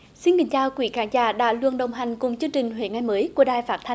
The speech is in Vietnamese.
xin kính chào quý khán giả đã luôn đồng hành cùng chương trình huế ngày mới của đài phát thanh